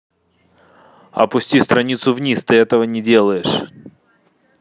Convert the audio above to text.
опусти страницу вниз ты этого не делаешь